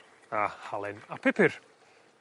a halen a pupur.